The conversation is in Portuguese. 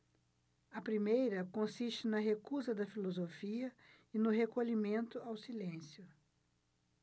a primeira consiste na recusa da filosofia e no recolhimento ao silêncio